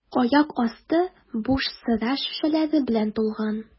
Аяк асты буш сыра шешәләре белән тулган.